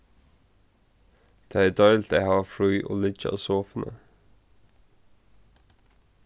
tað er deiligt at hava frí og liggja á sofuni